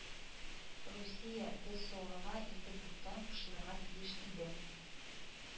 Русия ДэСэОга инде күптән кушылырга тиеш иде